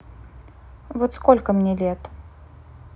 вот сколько мне лет